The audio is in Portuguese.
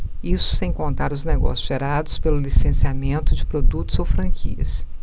isso sem contar os negócios gerados pelo licenciamento de produtos ou franquias